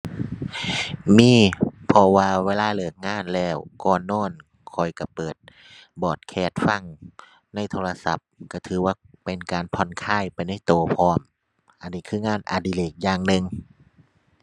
มี เพราะว่าเวลาเลิกงานแล้ว ก่อนนอนข้อยก็เปิดพอดแคสต์ฟัง ในโทรศัพท์ก็ถือว่าเป็นการผ่อนคลายไปในก็พร้อม อันนี้คืองานอดิเรกอย่างหนึ่ง